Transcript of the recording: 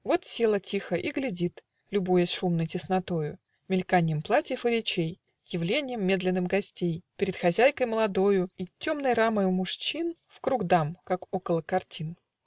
Вот села тихо и глядит, Любуясь шумной теснотою, Мельканьем платьев и речей, Явленьем медленным гостей Перед хозяйкой молодою И темной рамою мужчин Вкруг дам как около картин.